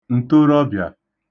ǹtorọbị̀a